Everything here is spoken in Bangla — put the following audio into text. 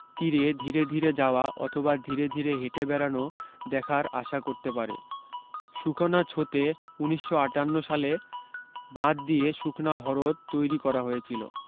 তীরে ধীরে ধীরে যাওয়া অথবা ধীরে ধীরে হেঁটে বেড়ানো দেখার আশা করতে পারে সুখনা ছোতে উনিশশ আটান্ন সালে বাঁধ দিয়ে সুখনা হরদ তৈরী হয়েছিলো